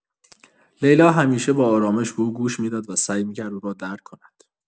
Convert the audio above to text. لیلا همیشه با آرامش به او گوش می‌داد و سعی می‌کرد او را درک کند.